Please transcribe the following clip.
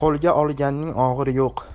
qo'lga olganning og'iri yo'q